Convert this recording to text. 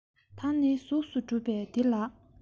ད ནི གཟུགས སུ གྲུབ པ འདི ལགས